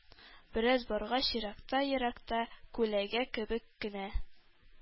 Бераз баргач, еракта-еракта күләгә кебек кенә